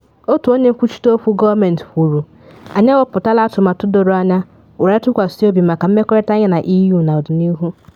Otu onye nkwuchite okwu gọọmentị kwuru: “Anyị eweputala atụmatụ doro anya were ntụkwasị obi maka mmekọrịta anyị na EU n’ọdịnihu.